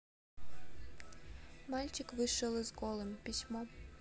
мальчик вышел из голым письмо